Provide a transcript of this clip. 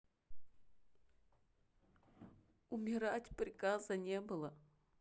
умирать приказа не было